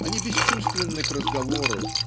они бесчувственны к разговору